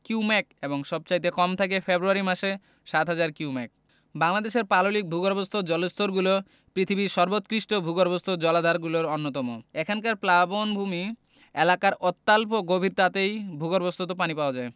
cumec এবং সবচাইতে কম থাকে ফেব্রুয়ারি মাসে ৭হাজার কিউমেক বাংলাদেশের পাললিক ভূগর্ভস্থ জলস্তরগুলো পৃথিবীর সর্বোৎকৃষ্টভূগর্ভস্থ জলাধারগুলোর অন্যতম এখানকার প্লাবনভূমি এলাকায় অত্যল্প গভীরতাতেই ভূগর্ভস্থ পানি পাওয়া যায়